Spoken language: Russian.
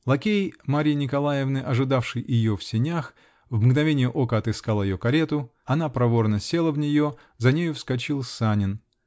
Лакей Марьи Николаевны, ожидавший ее в сенях, в мгновение ока отыскал ее карету -- она проворно села в нее, за нею вскочил Санин.